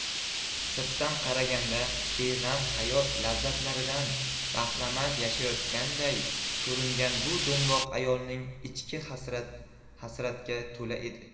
sirtdan qaraganda beg'am hayot lazzatlaridan bahramand yashayotganday ko'ringan bu do'mboq ayolning ichi hasratga to'la edi